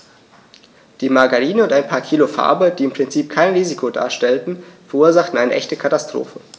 Die Margarine und ein paar Kilo Farbe, die im Prinzip kein Risiko darstellten, verursachten eine echte Katastrophe.